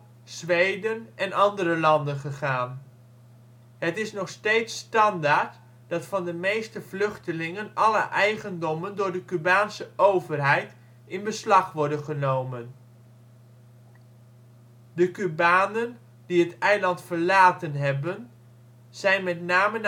Zweden en andere landen gegaan. Het is nog steeds standaard dat van de meeste vluchtelingen alle eigendommen door de Cubaanse overheid in beslag worden genomen. De Cubanen die het eiland verlaten hebben zijn met name